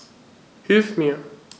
Hilf mir!